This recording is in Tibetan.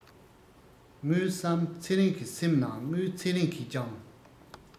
དངུལ བསམ ཚེ རིང གི སེམས ནང དངུལ ཚེ རིང གིས ཀྱང